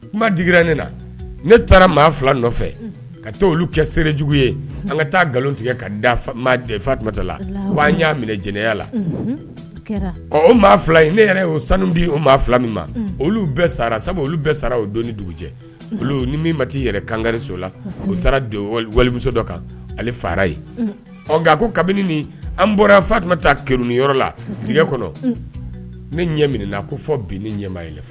Kuma digira ne na ne taara maa fila nɔfɛ ka taa olu kɛ seerejugu ye an ka taa nkalon tigɛ katumata la' an y'a minɛ jɛnɛya la ɔ o maa fila ne yɛrɛ' sanu bɛ o maa fila min ma olu bɛɛ sara sabu olu bɛɛ sara o don ni dugu cɛ olu ni min ma' i yɛrɛ kangaso la u taara walimuso dɔ kan ale fara yen ɔ ko kabini ni an bɔra fa tun taa kɛrunyɔrɔ la kɔnɔ ne ɲɛ minɛ ko fɔ bin ni ɲɛbay